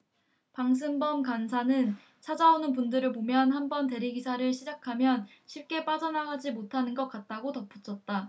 방승범 간사는 찾아오는 분들을 보면 한 번 대리기사를 시작하면 쉽게 빠져나가지 못하는 것 같다고 덧붙였다